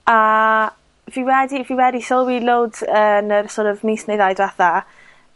A fi wedi fi wedi sylwi loads yn yr sor' of mis neu ddau dwetha,